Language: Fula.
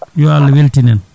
yo Allah weltin en